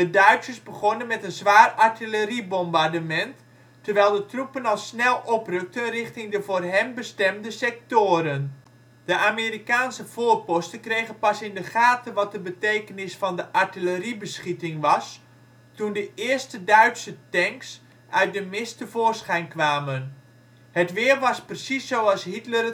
Duitsers begonnen met een zwaar artilleriebombardement, terwijl de troepen al snel oprukten richting de voor hen bestemde sectoren. De Amerikaanse voorposten kregen pas in de gaten wat de betekenis van de artilleriebeschieting was, toen de eerste Duitse tanks uit de mist tevoorschijn kwamen. Het weer was precies zoals Hitler